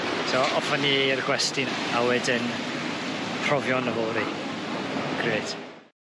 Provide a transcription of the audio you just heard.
So off â ni i'r gwesty a wedyn profion yfory. Grêt.